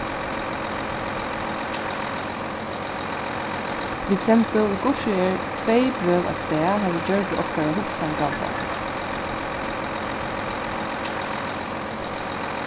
vit sendu ið hvussu er tvey brøv avstað har vit gjørdu okkara hugsan galdandi